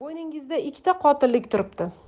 bo'yningizda ikkita qotillik turibdi